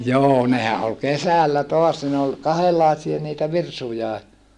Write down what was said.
joo nehän oli kesällä taas ne oli kahdenlaisia niitä virsujakin